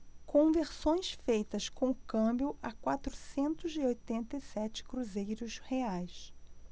conversões feitas com câmbio a quatrocentos e oitenta e sete cruzeiros reais